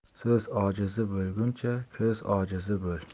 so'z ojizi bo'lguncha ko'z ojizi bo'l